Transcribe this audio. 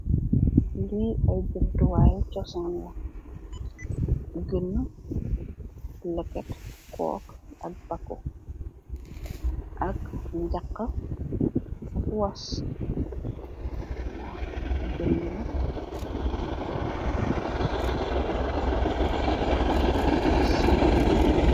Li ay jumtu waay chosan la gena leket kuuk ak mbaku lak ngaha ak wass waw kuuk letet mbaku jahaa ak wass.